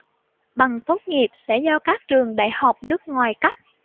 bằng tốt nghiệp sẽ do các trường đại học nước ngoài cấp